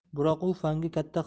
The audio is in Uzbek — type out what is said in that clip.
biroq u fanga katta